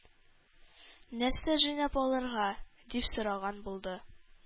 -нәрсә җыйнап алырга? - дип сораган булды.